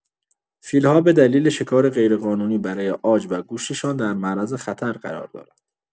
فیل‌ها به دلیل شکار غیرقانونی برای عاج و گوشتشان در معرض خطر قرار دارند.